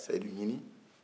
seyidu ɲini